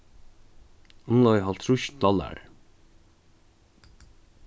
umleið hálvtrýss dollarar